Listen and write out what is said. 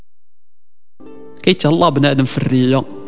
حياك الله بن ادم في الرياض